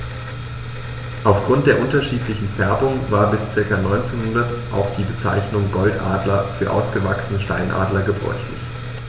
Auf Grund der unterschiedlichen Färbung war bis ca. 1900 auch die Bezeichnung Goldadler für ausgewachsene Steinadler gebräuchlich.